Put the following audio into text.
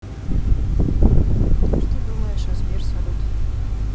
что думаешь о сбер салют